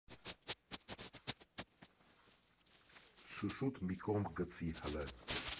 Շուշուտ մի կողմ գցի հլը։